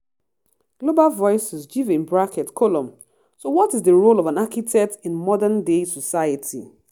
Global Voices (GV): So what is the role of an architect in modern-day society?